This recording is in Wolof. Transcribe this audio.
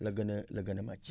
la gën a la gën a màcc